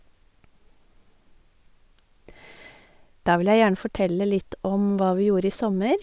Da vil jeg gjerne fortelle litt om hva vi gjorde i sommer.